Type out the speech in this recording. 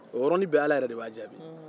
ala yɛrɛ de b'a jaabi o yɔrɔnin bɛɛ